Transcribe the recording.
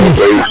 *